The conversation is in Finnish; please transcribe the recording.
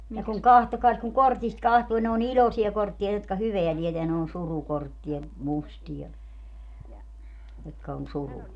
ne kun katsokaas kun kortista katsoo ne on iloisia kortteja jotka hyvää tietää ne on surukortteja mustia jotka on surua